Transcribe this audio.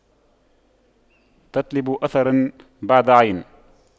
تطلب أثراً بعد عين